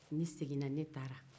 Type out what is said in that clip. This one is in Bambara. ne segin na ne taara